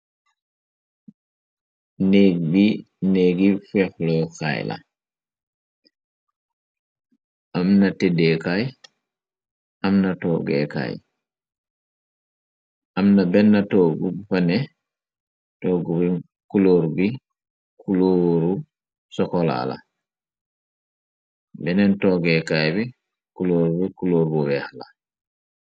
Négg bi néggi fexlo kaay la am na tedde kaay am na toggekaay amna benna toggu bane toggu bi kulóor bi kulóoru sokolaala benneen toggeekaay bi kuloor bi kulóor bu weex la.